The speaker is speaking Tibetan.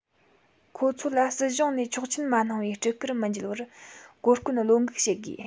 ཁོ ཚོ ལ སྲིད གཞུང ནས ཆོག མཆན མ གནང བའི སྤྲུལ སྐུར མི འཇལ བར གོ སྐོན བློ འགུག བྱེད དགོས